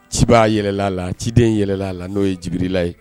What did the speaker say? Ci b'a yɛlɛla la ciden yɛlɛla a la n'o ye jibirila ye